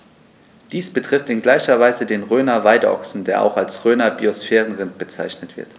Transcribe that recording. Dies betrifft in gleicher Weise den Rhöner Weideochsen, der auch als Rhöner Biosphärenrind bezeichnet wird.